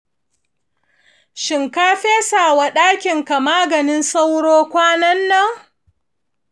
shin ka fesa wa ɗakinka maganin sauro kwanan nan?